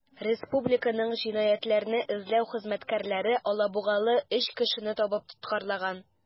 Республиканың җинаятьләрне эзләү хезмәткәрләре алабугалы 3 кешене табып тоткарлаган.